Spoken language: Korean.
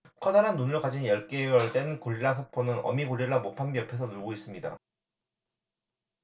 커다란 눈을 가진 열 개월 된 고릴라 소포는 어미 고릴라 모팜비 옆에서 놀고 있습니다